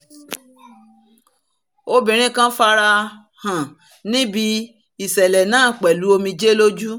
Obìnrin kan farahàn níbí ibi ìṣẹ̀lẹ̀ náà pẹ̀lú omijé lójú.